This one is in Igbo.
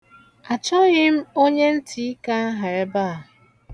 Achọghị m onye ntịike ahụ ebe a.